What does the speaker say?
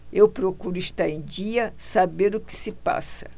eu procuro estar em dia saber o que se passa